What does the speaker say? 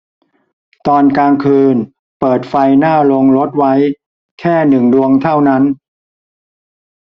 ตอนกลางคืนเปิดไฟหน้าโรงรถไว้แค่หนึ่งดวงเท่านั้น